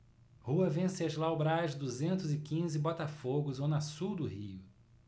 rua venceslau braz duzentos e quinze botafogo zona sul do rio